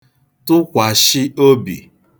tụkwàshị obì